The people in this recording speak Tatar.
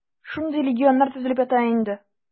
Шундый легионнар төзелеп ята инде.